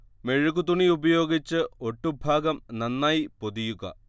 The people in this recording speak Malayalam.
മെഴുകു തുണി ഉപയോഗിച്ച് ഒട്ടു ഭാഗം നന്നായി പൊതിയുക